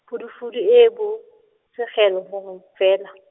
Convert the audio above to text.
phudufudu e e botsogelo bongwe fela .